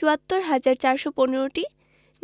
৭৪হাজার ৪১৫টি